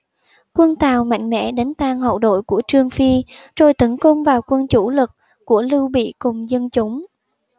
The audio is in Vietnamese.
quân tào mạnh mẽ đánh tan hậu đội của trương phi rồi tấn công vào quân chủ lực của lưu bị cùng dân chúng